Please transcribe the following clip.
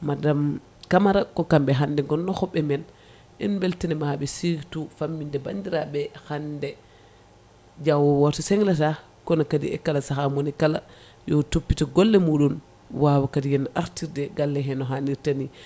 madame Caamra aako kamɓe gonno hooɓe men en beltani mamaɓe surtour famminde bandiraɓe hande jaawo woto senglata kono kadi e kala saaha moni kala yo toppito golle muɗum wawa kadi yen artirde e galle he no hanirta ni